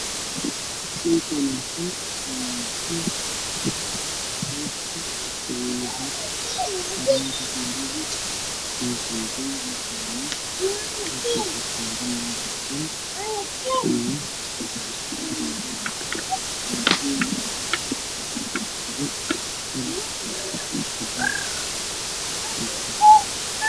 Meeshan waa qol jiif sariir iyo joodari ayaa yaalo go' ayaana saaran